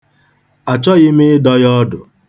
Achọghị m ịdọ ya ọdụ.